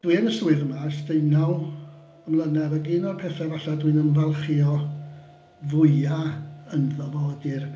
Dwi yn y swydd yma ers deunaw mlynedd ac un o'r petha falle dwi'n ymfalchio fwyaf ynddo fo ydi'r...